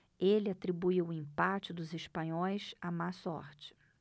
ele atribuiu o empate dos espanhóis à má sorte